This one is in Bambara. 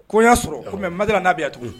Kɔɲɔ yyaa sɔrɔ kɔmi madira n'a bɛ yan tugun